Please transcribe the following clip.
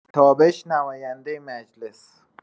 تابش نماینده مجلس